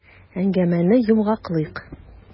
Әңгәмәне йомгаклыйк.